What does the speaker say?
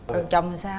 còn chồng thì sao